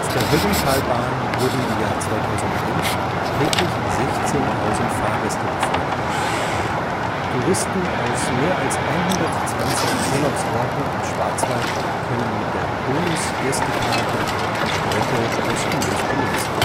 der Höllentalbahn wurden im Jahr 2011 täglich 16.000 Fahrgäste befördert. Touristen aus mehr als 120 Urlaubsorten im Schwarzwald können mit der Konus-Gästekarte die Strecke kostenlos benutzen